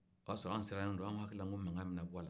o y'a sɔrɔ an sirannen don anw hakilila ko mankan bɛna b'a la